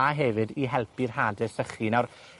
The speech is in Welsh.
a hefyd i helpu'r hade sychu. Nawr,